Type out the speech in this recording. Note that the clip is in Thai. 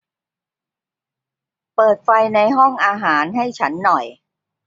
เปิดไฟในห้องอาหารให้ฉันหน่อย